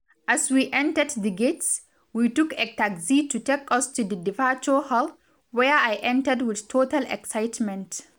As we entered the gates, we took a taxi to take us to the departure hall, where I entered with total excitement.